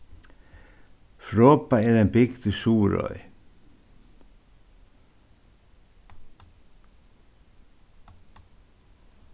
froðba er ein bygd í suðuroy